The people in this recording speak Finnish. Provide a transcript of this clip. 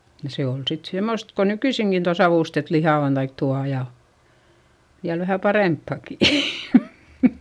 ja se oli sitten semmoista kuin nykyisinkin tuo savustettu liha on tai tuo ja ja vähän parempaakin